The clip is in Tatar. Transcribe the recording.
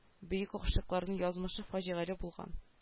Бөек гашыйкларның язмышы фаҗигале булган